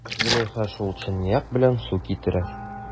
Зөләйха шул чынаяк белән су китерә.